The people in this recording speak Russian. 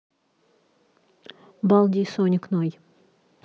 балди и соник ной